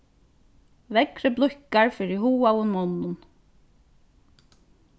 veðrið blíðkar fyri hugaðum monnum